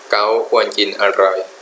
เก๊าท์ควรกินอะไร